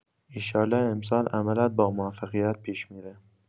ایشالا امسال عملت با موفقیت پیش می‌ره.